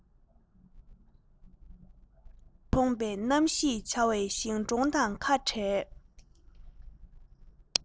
བྱིས པ གྲོངས པའི གནས ཤེས བྱ བའི ཞིང གྲོང དང ཁ བྲལ